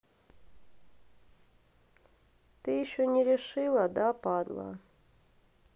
ты еще не решила да падла